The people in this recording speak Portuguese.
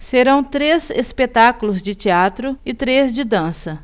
serão três espetáculos de teatro e três de dança